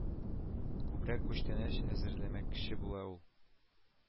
Күбрәк күчтәнәч әзерләмәкче була ул